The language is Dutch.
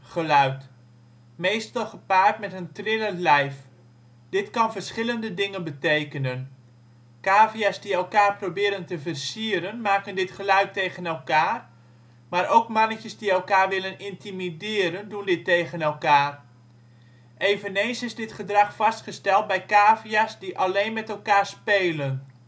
geluid. Meestal gepaard met een trillend lijf. Dit kan verschillende dingen betekenen. Cavia 's die elkaar proberen te versieren maken dit geluid tegen elkaar. Maar ook mannetjes die elkaar willen intimideren doen dit tegen elkaar. Eveneens is dit gedrag vastgesteld bij cavia 's die alleen met elkaar spelen